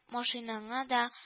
Машинаңа да